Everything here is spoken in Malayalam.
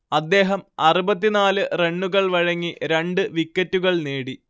അദ്ദേഹം അറുപത്തി നാല് റണ്ണുകൾ വഴങ്ങി രണ്ട് വിക്കറ്റുകൾ നേടി